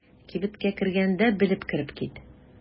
Кибеткә кергәндә белеп кереп кит.